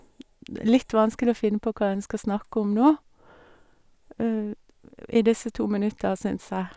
Det er litt vanskelig å finne på hva en skal snakke om nå i disse to minutta, syns jeg.